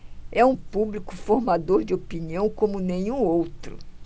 é um público formador de opinião como nenhum outro